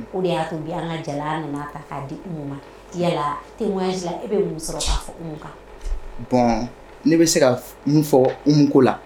O de y'a to bi k'a di Umu ma bon ne bɛ se ka min fɔ Umu ko la